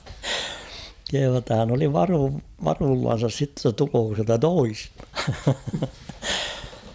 kehuu jotta hän oli - varuillansa sitten jotta tuleeko sieltä toista